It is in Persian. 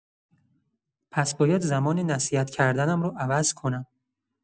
پس باید زمان نصیحت کردنم رو عوض کنم.